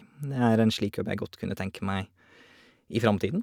Det er en slik jobb jeg godt kunne tenke meg i framtiden.